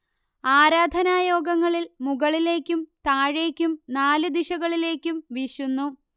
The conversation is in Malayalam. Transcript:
ആരാധനായോഗങ്ങളിൽ മുകളിലേക്കും താഴേയ്ക്കും നാല് ദിശകളിലേക്കും വീശുന്നു